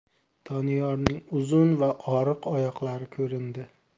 doniyorning uzun va oriq oyoqlari ko'rindi